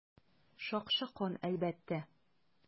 Шакшы кан, әлбәттә.